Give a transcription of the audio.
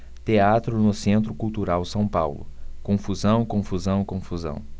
teatro no centro cultural são paulo confusão confusão confusão